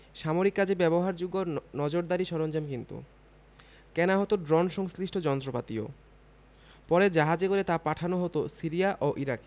সামরিক কাজে ব্যবহারযোগ্য নজরদারি সরঞ্জাম কিনত কেনা হতো ড্রোন সংশ্লিষ্ট যন্ত্রপাতিও পরে জাহাজে করে তা পাঠানো হতো সিরিয়া ও ইরাকে